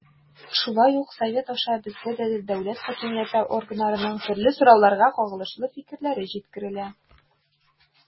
Шулай ук Совет аша безгә дә дәүләт хакимияте органнарының төрле сорауларга кагылышлы фикерләре җиткерелә.